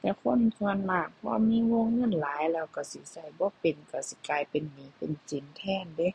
แต่คนส่วนมากพอมีวงเงินหลายแล้วก็สิก็บ่เป็น ก็สิกลายเป็นหนี้เป็นสินแทนเดะ